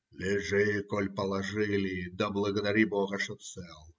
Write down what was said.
- лежи, коли положили, да благодари бога, что цел.